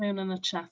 Mewn yn y chat.